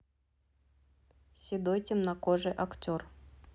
седой темнокожий актер